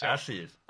A Lludd.